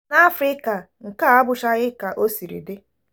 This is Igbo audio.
N'Afrịka, nke a abụchaghị ka o siri dị.